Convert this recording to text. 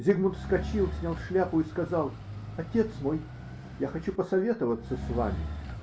Зигмунт вскочил, снял шляпу и сказал: -- Отец мой, я хочу посоветоваться с вами.